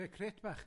Be', crêt bach?